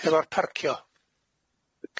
S- hefo'r parcio.